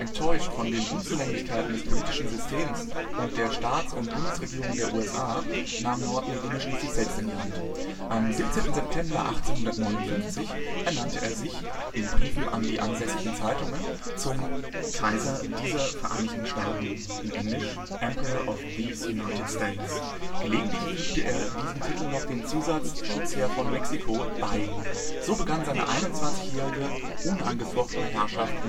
von den Unzulänglichkeiten des politischen Systems und der Staats - und Bundesregierungen der USA nahm Norton die Dinge schließlich selbst in die Hand: Am 17. September 1859 ernannte er sich – in Briefen an die ansässigen Zeitungen – zum „ Kaiser dieser Vereinigten Staaten “(„ Emperor of These United States “). Gelegentlich fügte er diesem Titel noch den Zusatz „ Schutzherr von Mexiko “bei. So begann seine 21-jährige „ unangefochtene “Herrschaft